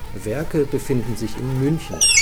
Werke befinden sich in München